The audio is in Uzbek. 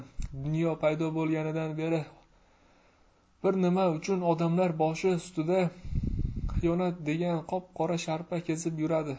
dunyo paydo bo'lganidan beri bir nima uchun odamlar boshi ustida xiyonat degan qop qora sharpa kezib yuradi